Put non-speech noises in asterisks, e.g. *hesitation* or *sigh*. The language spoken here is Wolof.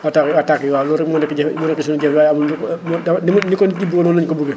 attaques yi attaques yi waaw loolu rek moo nekk jafe *noise* moo nekk suñu jafe waaye amul lu *hesitation* ni ko nit yi bëggee noonu la ñu ko bëggee